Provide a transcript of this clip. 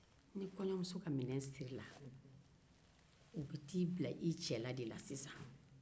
ni kɔɲɔmuso ka minɛn sirila sisan u bɛ t'i bila i cɛla de la sisan